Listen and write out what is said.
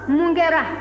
mun kɛra